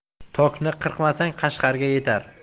tokni qirqmasang qashqarga yetar